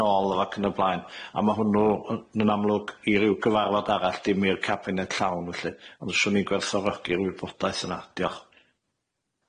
nôl o ac yn y blaen a ma' hwnnw yy yn amlwg i ryw gyfarfod arall dim i'r cabinet llawn felly, ond os o'n i'n gwerthfawrogi'r wybodaeth yna diolch.